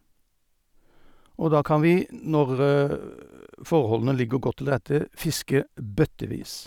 Og da kan vi, når forholdene ligger godt til rette, fiske bøttevis.